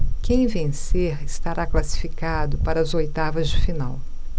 quem vencer estará classificado para as oitavas de final